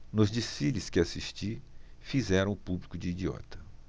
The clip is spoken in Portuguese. nos desfiles que assisti fizeram o público de idiota